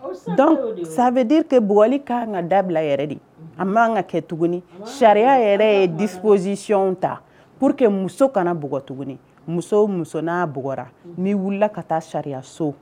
Donc ça veut dire que bugɔli ka kan ka dabila yɛrɛ de. A ma kan ka kɛ tugun. Sariya yɛrɛ ye disposition ta pour que muso kana bugɔ tuguni, muso o muso na bugɔra, n'i wulila ka taa sariya so